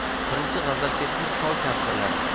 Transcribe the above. birinchi g'azalkentlik chol kampirlarakan